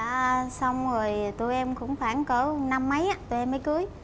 ra xong rồi tụi em cũng khoảng cỡ năm mấy ấy tụi em mới cưới